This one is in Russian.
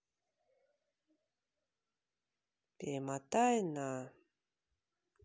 перемотай на